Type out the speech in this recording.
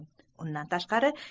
undan tashqari